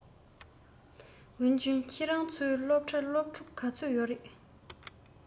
ཝུན ཅུན ཁྱོད རང ཚོའི སློབ གྲྭར སློབ ཕྲུག ག ཚོད ཡོད རེད